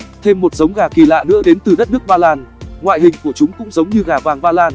thêm một giống gà kỳ lạ nữa đến từ đất nước ba lan ngoại hình của chúng cũng giống như gà vàng ba lan